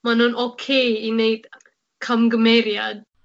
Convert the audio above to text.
ma' nw'n ocê i neud camgymeriad.